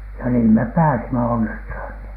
ja niin me pääsimme onneksi niin